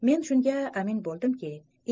men shunga amin bo'ldimki